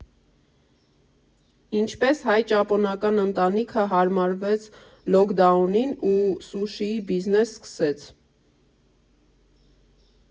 Ինչպես հայ֊ճապոնական ընտանիքը հարմարվեց լոքդաունին ու սուշիի բիզնես սկսեց։